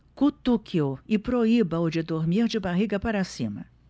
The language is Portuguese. cutuque-o e proíba-o de dormir de barriga para cima